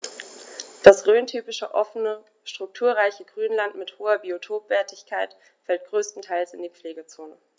Das rhöntypische offene, strukturreiche Grünland mit hoher Biotopwertigkeit fällt größtenteils in die Pflegezone.